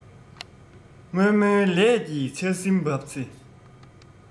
སྔོན སྨོན ལས ཀྱི ཆར ཟིམ བབས ཚེ